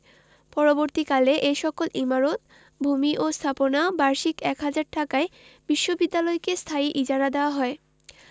পরবর্তীকালে এ সকল ইমারত ভূমি ও স্থাপনা বার্ষিক এক হাজার টাকায় বিশ্ববিদ্যালয়কে স্থায়ী ইজারা দেওয়া হয়